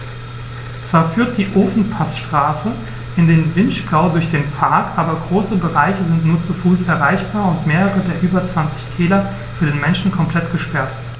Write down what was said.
Zwar führt die Ofenpassstraße in den Vinschgau durch den Park, aber große Bereiche sind nur zu Fuß erreichbar und mehrere der über 20 Täler für den Menschen komplett gesperrt.